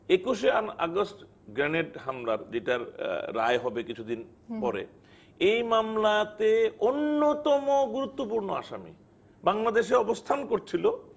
একুশে August grenade হামলা যেটার রায় হবে কিছুদিন পরে এই মামলাতে অন্যতম গুরুত্বপূর্ণ আসামি বাংলাদেশের অবস্থান করছিল